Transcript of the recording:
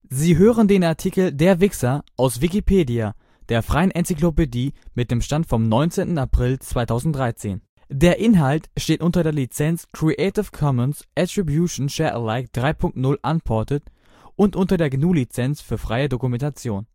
Sie hören den Artikel Der Wixxer, aus Wikipedia, der freien Enzyklopädie. Mit dem Stand vom Der Inhalt steht unter der Lizenz Creative Commons Attribution Share Alike 3 Punkt 0 Unported und unter der GNU Lizenz für freie Dokumentation